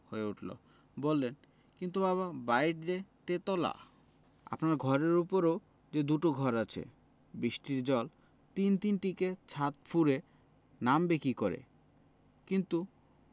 হয়ে উঠল বললেন কিন্তু বাবা বাড়িটা যে তেতলা আপনার ঘরের উপরও যে দুটো ঘর আছে বৃষ্টির জল তিন তিনটিকে ছাত ফুঁড়ে নামবে কি করে কিন্তু